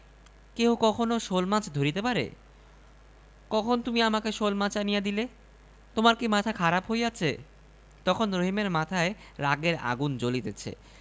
কেহ কখনো শোলমাছ ধরিতে পারে কখন তুমি আমাকে শোলমাছ আনিয়া দিলে তোমার কি মাথা খারাপ হইয়াছে তখন রহিমের মাথায় রাগের আগুন জ্বলিতেছে